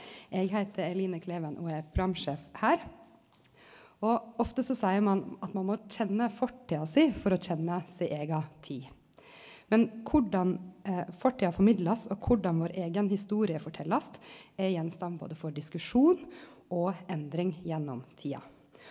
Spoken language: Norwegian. eg heiter Eline Kleven og er programsjef her, og ofte så seier ein at ein må kjenne fortida si for å kjenne si eiga tid, men korleis fortida formidlast og korleis vår eigen historie forteljast er gjenstand både for diskusjon og endring gjennom tida.